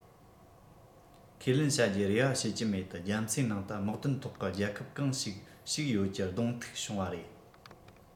ཁས ལེན བྱ རྒྱུའི རེ བ བྱེད ཀྱི མེད དུ རྒྱ མཚོའི ནང དུ དམག དོན ཐོག གི རྒྱལ ཁབ གང ཞིག ཞིག ཡོད ཀྱི གདོང ཐུག བྱུང བ རེད